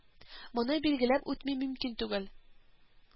Моны билгеләп үтми мөмкин түгел